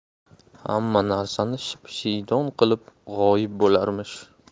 hamma narsani ship shiydon qilib g'oyib bo'larmish